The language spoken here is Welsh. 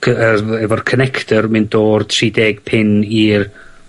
gy- yf- efo'r connector yn mynd o'r tri deg pin i'r